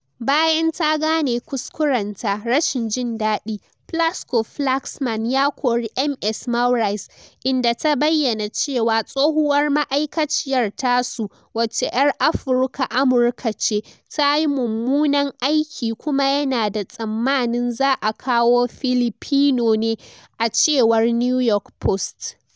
Bayan ta gane kuskurenta, "rashin jin dadi" Plasco-Flaxman ya kori Ms. Maurice, inda ta bayyana cewa tsohuwar ma’aikaciyar tasu wace yar afuruka-Amurka ce, ta yi mummunan aiki kuma yana da tsammanin za a kawo Filipino ne, a cewar New York Post.